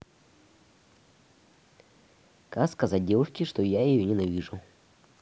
как сказать девушке что я ее ненавижу